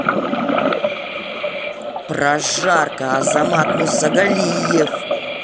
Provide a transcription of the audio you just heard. прожарка азамат мусагалиев